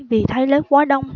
vì thấy lớp quá đông